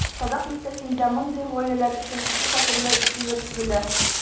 Садак бистәсендә мондый гаиләләр өчен ике фатирлы ике йорт төзелә.